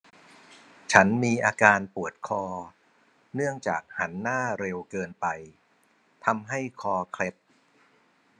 ฉันมีอาการปวดคอเนื่องจากหันหน้าเร็วเกินไปทำให้คอเคล็ด